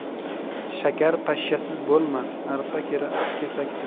shakar pashshasiz bo'lmas arpa kesaksiz